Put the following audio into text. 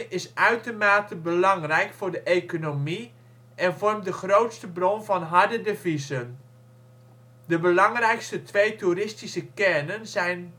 is uitermate belangrijk voor de economie en vormt de grootste bron van harde deviezen. De belangrijkste twee toeristische kernen zijn